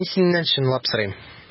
Мин синнән чынлап сорыйм.